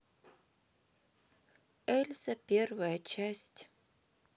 эльза первая часть